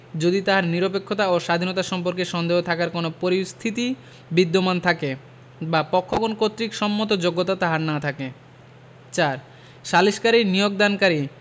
যদি তাহার নিরপেক্ষতা ও স্বাধীনতা সম্পর্কে সন্দেহ থাকার কোন পরিস্থিতি বিদ্যমান থাকে বা পক্ষগণ কর্তৃক সম্মত যোগ্যতা তাহার না থাকে ৪ সালিসকারী নিয়োগদানকারী